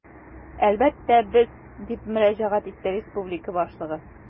Әлбәттә, без, - дип мөрәҗәгать итте республика башлыгы.